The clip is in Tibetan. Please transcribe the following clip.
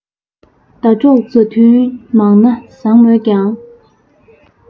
ཟླ གྲོགས མཛའ མཐུན མང ན བཟང མོད ཀྱང